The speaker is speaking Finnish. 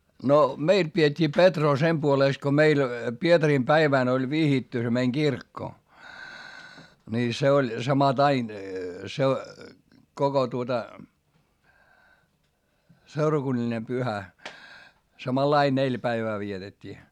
no meillä pidettiin Petroa sen puolesta kun meillä Pietarin päivänä oli vihitty se meidän kirkko niin se oli samattain koko tuota seurakunnallinen pyhä samanlainen neljä päivää vietettiin